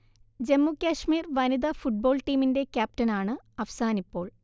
ജമ്മു കശ്മീർ വനിതാ ഫുട്ബോൾ ടീമിന്റെ ക്യാപ്റ്റനാണ് അഫ്സാനിപ്പോൾ